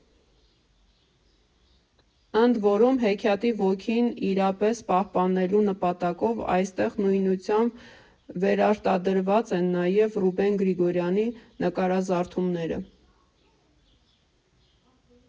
Ընդ որում, հեքիաթի ոգին իրապես պահպանելու նպատակով այստեղ նույնությամբ վերարտադրված են նաև Ռուբեն Գրիգորյանի նկարազարդումները։